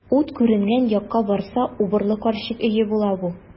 Ут күренгән якка барса, убырлы карчык өе була бу.